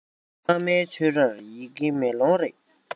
བླ མའི ཆོས རར ཡི གེ མེ ལོང རེད